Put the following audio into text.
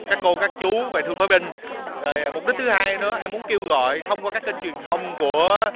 các cô các chú về thương phá binh rồi mục đích thứ hai nữa em muốn kêu gọi thông qua các kênh truyền thông của